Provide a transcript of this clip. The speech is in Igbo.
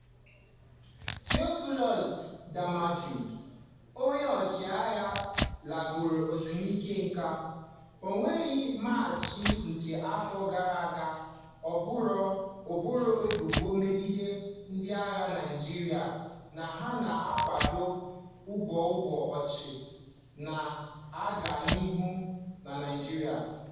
Theophilus Danjuma, onye ọchịagha lagoro ezumike nka, n'ọnwa Maachị nke afọ gara aga boro ebubo megide "ndị agha Naịjirịa na ha na-akwado ogbugbu ọchụ na-aga n'ihu na Naịjirịa".